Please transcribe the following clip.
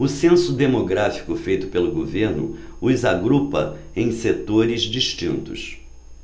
o censo demográfico feito pelo governo os agrupa em setores distintos